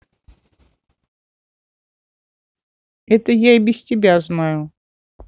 это я и без тебя знаю